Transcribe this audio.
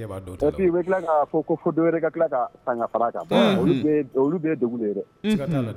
Tila dɔw ka tila kan